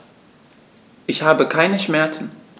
Ich habe keine Schmerzen.